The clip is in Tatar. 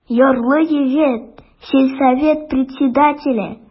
Ярлы егет, сельсовет председателе.